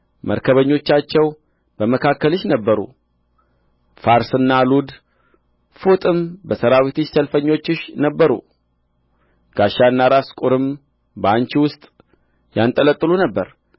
መርከበኞቻቸው በመካከልሽ ነበሩ ፋርስና ሉድ ፉጥም በሠራዊትሽ ሰልፈኞችሽ ነበሩ ጋሻና ራስ ቍርም በአንቺ ውስጥ ያንጠለጥሉ ነበር